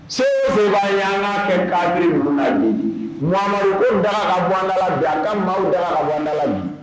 Se de b'a yalala kɛ kari la ɲa bɛ da a bɔda la bi a ka maaw da aɔnda la bi